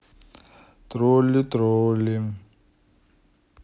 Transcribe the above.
тролли тролли